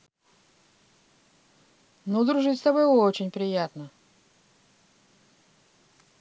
ну дружить с тобой очень приятно